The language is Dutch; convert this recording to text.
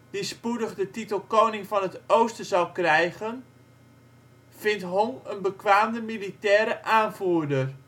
die spoedig de titel Koning van het Oosten zal krijgen, vindt Hong een bekwame militaire aanvoerder